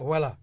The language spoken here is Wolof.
voilà